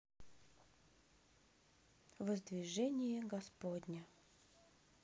воздвижение господне